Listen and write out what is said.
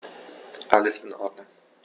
Alles in Ordnung.